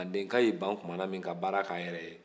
mandenka y'a ban tumana min ka baara k'a yɛrɛ ye